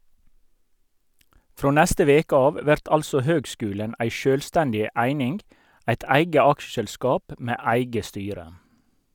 Frå neste veke av vert altså høgskulen ei sjølvstendig eining, eit eige aksjeselskap med eige styre.